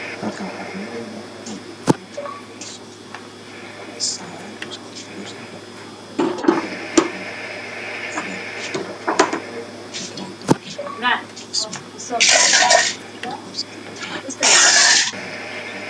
Meeshaan waa meel garoon ah waxaa ku ciyaaray ciyaal fara badan